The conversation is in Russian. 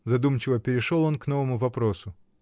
— задумчиво перешел он к новому вопросу.